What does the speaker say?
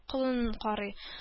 Колынын карый